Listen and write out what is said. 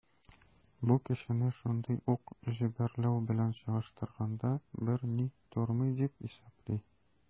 Бу кешене шундый ук җәберләү белән чагыштырганда берни тормый, дип исәпли.